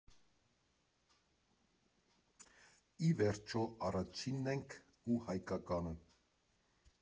Ի վերջո՝ առաջինն ենք ու հայկականը։